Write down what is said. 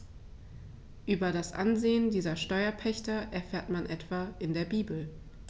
Über das Ansehen dieser Steuerpächter erfährt man etwa in der Bibel.